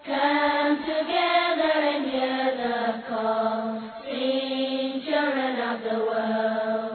Santigɛkari laban nk laban laban